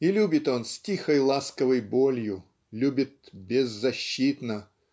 и любит он с тихой ласковой болью любит "беззащитно"